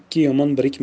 ikki yomon birikmas